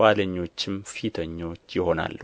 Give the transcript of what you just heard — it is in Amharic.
ኋለኞችም ፊተኞች ይሆናሉ